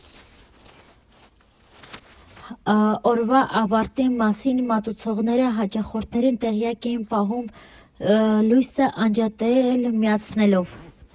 Օրվա ավարտի մասին մատուցողները հաճախորդներին տեղյակ էին պահում լույսը անջատել֊միացնելով։